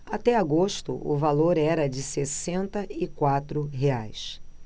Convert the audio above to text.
até agosto o valor era de sessenta e quatro reais